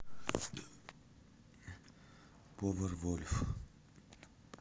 powerwolf